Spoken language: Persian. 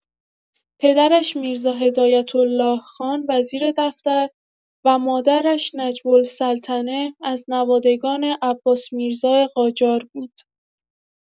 پدرش میرزا هدایت‌الله‌خان وزیر دفتر و مادرش نجم‌السلطنه، از نوادگان عباس میرزا قاجار بود.